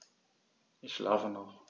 Ich schlafe noch.